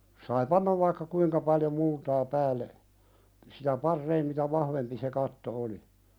sai panna vaikka kuinka paljon multaa päälle siitä parempi mitä vahvempi se katto oli